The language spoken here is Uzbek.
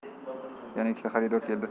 yana ikkita xaridor keldi